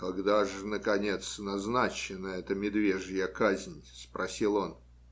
- Когда же, наконец, назначена эта медвежья казнь? - спросил он.